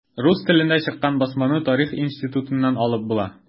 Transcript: Рус телендә чыккан басманы Тарих институтыннан алып була.